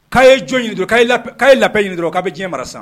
K'a ye jo ɲini dɔrɔn k'a labɛn ɲini dɔrɔn k'a bɛ diɲɛ mara sa